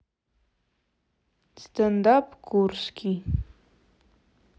стенд ап курский